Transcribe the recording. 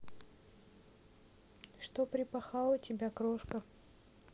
что припахала тебя крошка